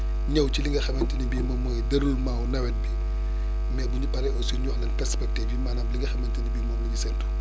ñëw ci li nga xamante ne bii moom mooy déroulement wu nawet bi mais bu ñu paree aussi ñu wax leen perspectives yi maanaam li nga xamante ne bii moom la ñu séntu